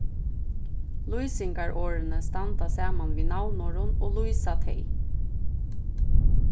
lýsingarorðini standa saman við navnorðum og lýsa tey